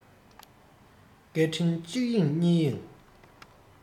སྐད འཕྲིན གཅིག གཡེང གཉིས གཡེང